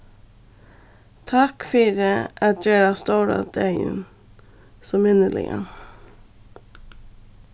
takk fyri at gera stóra dagin so minniligan